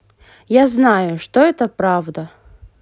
я знаю что это правда